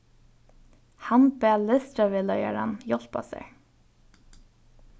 hann bað lestrarvegleiðaran hjálpa sær